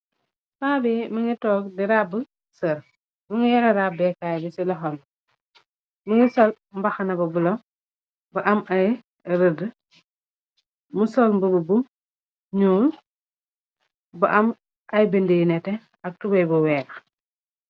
Paabe mungi tog di rabbu sehrrr, mungi yohre rabbeekaay bi ci loxom, mungi sol mbaxana bu bleu, bu am ay reddu, mu sol mbubu bu njull bu am ay bindy yu nete ak tubay bu weex.